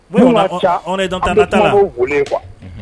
Mun ka ca, an bi taa no volé ye quoi